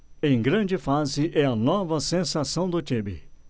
em grande fase é a nova sensação do time